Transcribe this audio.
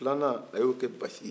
filanan a y'o kɛ basi ye